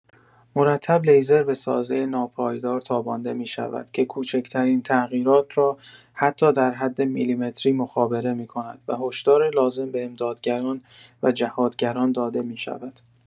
مرتب لیزر به سازه ناپایدار تابانده می‌شود که کوچکترین تغییرات را حتی در حد میلیمتری مخابره می‌کند و هشدار لازم به امدادگران و جهادگران داده می‌شود.